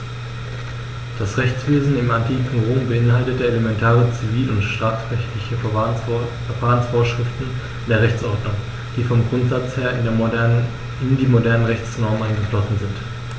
Das Rechtswesen im antiken Rom beinhaltete elementare zivil- und strafrechtliche Verfahrensvorschriften in der Rechtsordnung, die vom Grundsatz her in die modernen Rechtsnormen eingeflossen sind.